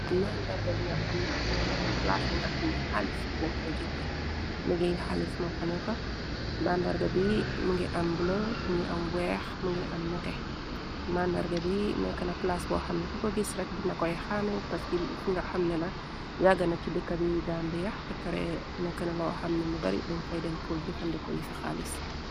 Mandarga bi nga xamne munge wone plaas bi nga xamne xaalis dañ fay jëfe liggéey xaalis mo faneko. Mandarga bi mi ngi am blë bu ngi am weex mni am ne tex. Mandarga bi nekkna plaas boo xamneku ko gis rek dina koy xaame. Paski fi nga xamne la yàgga na ci dëkka biy Gambia yax. Ba pare nekkna lo xamne ñu bari dañ fay dem pol jëfande ko yi fa xaalis.